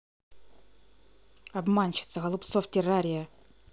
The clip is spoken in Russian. обманщица голубцов террария